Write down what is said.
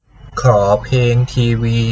ขอเพลงทีวี